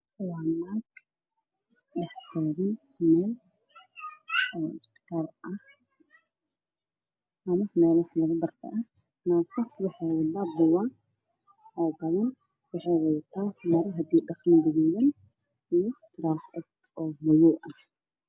Waa naag ku labisan dharka hospital ka shaati cadaan ah